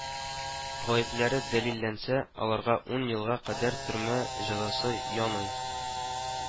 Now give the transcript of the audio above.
Гаепләре дәлилләнсә, аларга ун елга кадәр төрмә җәзасы яный